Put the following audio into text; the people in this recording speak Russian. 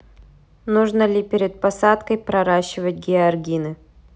нужно ли перед посадкой проращивать георгины